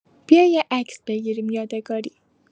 بیا یه عکس بگیریم یادگاری